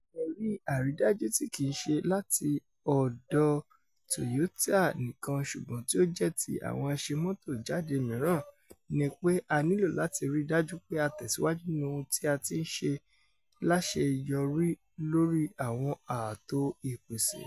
"Ẹ̀rí àrídájú tí kìíṣe láti ọ̀dọ̀ Toyotà nìkan ṣùgbọ́n tí ó jẹ́ ti àwọn àṣemọ́tò jáde míràn ní pé a nílò láti rí dájú pé a tẹ̀síwájú nínú ohun tí a ti ńṣe láṣeyọrílórí àwọn ààtò ìpèsè.”